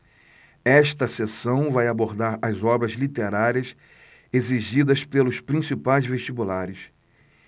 esta seção vai abordar as obras literárias exigidas pelos principais vestibulares